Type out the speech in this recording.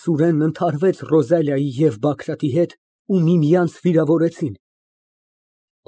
Սուրենն ընդհարվեց Ռոզալիայի և Բագրատի հետ ու միմյանց վիրավորեցին։